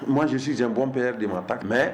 U m siɛnɔnpɛ de ma ta